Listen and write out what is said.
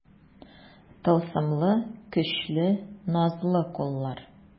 Тылсымлы, көчле, назлы куллар.